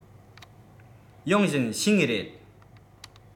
ཡོང བཞིན བཤས ངེས རེད